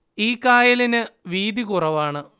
ഈ കായലിന് വീതികുറവാണ്